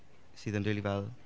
sydd yn rili fel...